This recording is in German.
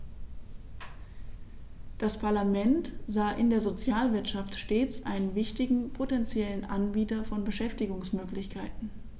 Das Parlament sah in der Sozialwirtschaft stets einen wichtigen potentiellen Anbieter von Beschäftigungsmöglichkeiten.